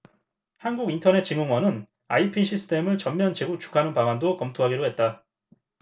한국인터넷진흥원은 아이핀 시스템을 전면 재구축하는 방안도 검토하기로 했다